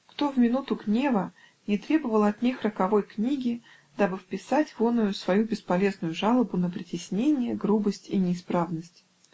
Кто, в минуту гнева, не требовал от них роковой книги, дабы вписать в оную свою бесполезную жалобу на притеснение, грубость и неисправность?